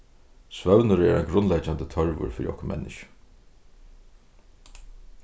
svøvnur er ein grundleggjandi tørvur fyri okkum menniskju